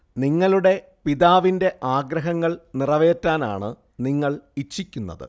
നിങ്ങളുടെ പിതാവിന്റെ ആഗ്രഹങ്ങൾ നിറവേറ്റാനാണ് നിങ്ങൾ ഇച്ഛിക്കുന്നത്